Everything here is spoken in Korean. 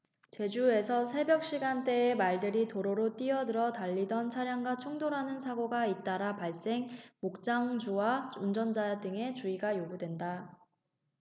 제주에서 새벽시간대에 말들이 도로로 뛰어들어 달리던 차량과 충돌하는 사고가 잇따라 발생 목장주와 운전자 등의 주의가 요구된다